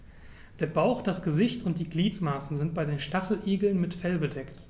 Der Bauch, das Gesicht und die Gliedmaßen sind bei den Stacheligeln mit Fell bedeckt.